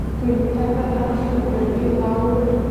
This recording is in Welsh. Dwi'n cerdded a'r llwybyr i lawr